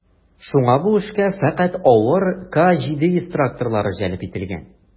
Шуңа бу эшкә фәкать авыр К-700 тракторлары җәлеп ителгән.